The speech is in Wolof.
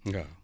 waa